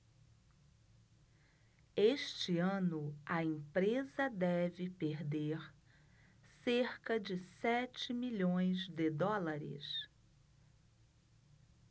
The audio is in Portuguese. este ano a empresa deve perder cerca de sete milhões de dólares